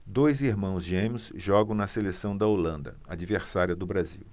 dois irmãos gêmeos jogam na seleção da holanda adversária do brasil